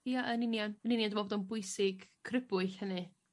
Ia yn union yn union dwi'n me'wl bod o'n bwysig crybwyll hynny.